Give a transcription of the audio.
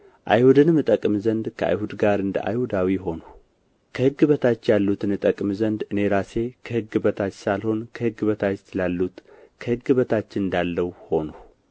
አይሁድንም እጠቅም ዘንድ ከአይሁድ ጋር እንደ አይሁዳዊ ሆንሁ ከሕግ በታች ያሉትን እጠቅም ዘንድ እኔ ራሴ ከሕግ በታች ሳልሆን ከሕግ በታች ላሉት ከሕግ በታች እንዳለሁ ሆንሁ